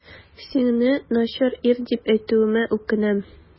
Сине начар ир дип әйтүемә үкенәм.